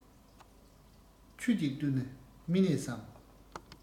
ཁྱུ གཅིག ཏུ ནི མི གནས སམ